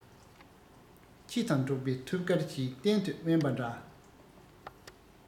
ཁྱེད དང འགྲོགས པའི ཐོབ སྐལ གྱིས གཏན དུ དབེན པ འདྲ